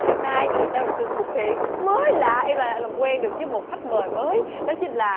hôm nay đã có sự xuất hiện mới lạ em lại được làm quen được với một khách mời mới đó chính là